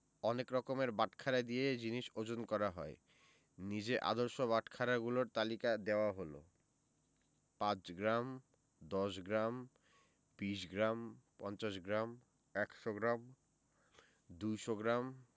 অনেক রকমের বাটখারা দিয়ে জিনিস ওজন করা হয় নিচে আদর্শ বাটখারাগুলোর তালিকা দেয়া হলঃ ৫ গ্রাম ১০গ্ৰাম ২০ গ্রাম ৫০ গ্রাম ১০০ গ্রাম ২০০ গ্রাম